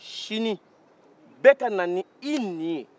sini bɛɛ ka na ni i ni ye